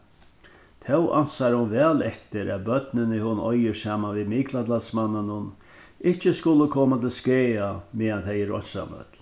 tó ansar hon væl eftir at børnini hon eigur saman við mikladalsmanninum ikki skulu koma til skaða meðan tey eru einsamøll